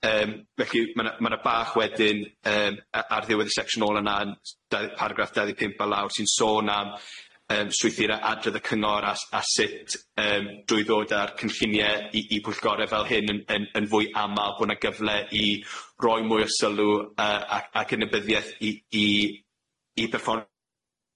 Yym felly ma' 'na ma' 'na bach wedyn yym a- ar ddiwedd y secsiwn ole na yn s- dau- paragraff dau ddeg pump o lawr sy'n sôn am yym swythura' adrodd y cyngor a s- a sut yym drwy ddod â'r cynllunie i i pwyllgorau fel hyn yn yn yn fwy amal bo' 'na gyfle i roi mwy o sylw yy ac ac anybyddiaeth i i i berffon